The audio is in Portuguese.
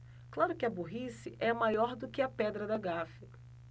claro que a burrice é maior do que a pedra da gávea